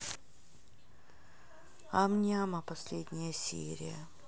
ам няма последняя серия